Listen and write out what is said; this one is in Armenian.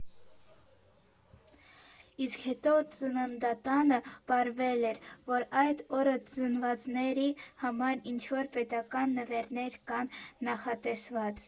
Իսկ հետո ծննդատանը պարվել էր, որ այդ օրը ծնվածների համար ինչ֊որ պետական նվերներ կան նախատեսված։